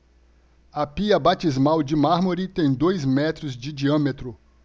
a pia batismal de mármore tem dois metros de diâmetro